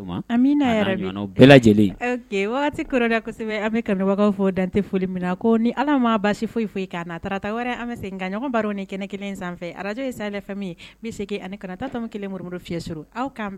Anbagaw dante foli min na ko ni ala basi foyi foyi taararata wɛrɛ an bɛ se ka ɲɔgɔnba ni kɛnɛ kelen sanfɛ ararakaj ye' bɛ segin ani kanatatɔ kelen murubolo fi aw